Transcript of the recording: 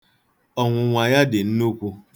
Ọnwụnwa ya dị nnukwu.